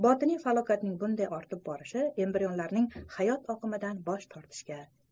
botiniy falokatning bunday ortib borishi embrionlarning hayot oqimidan bosh tortishga